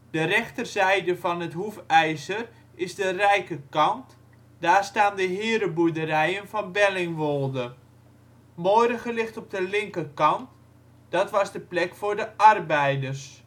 De rechterzijde van het hoefijzer is de rijke kant, daar staan de hereboerderijen van Bellingwolde. Morige ligt op de linkerkant, dat was de plek voor de arbeiders